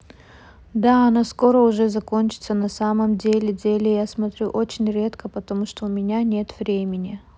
да она скоро уже закончится на самом деле деле я смотрю очень редко потому что у меня нет времени